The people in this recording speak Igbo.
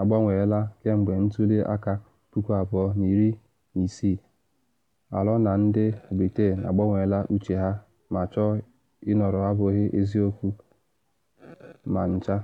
agbanweela kemgbe ntuli aka 2016: ‘Alo na ndị Britain agbanweela uche ha ma chọọ ịnọrọ abụghị eziokwu ma ncha.’